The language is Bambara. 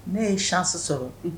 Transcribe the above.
Ne ye sisi sɔrɔ